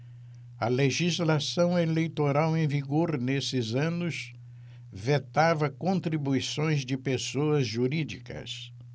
a legislação eleitoral em vigor nesses anos vetava contribuições de pessoas jurídicas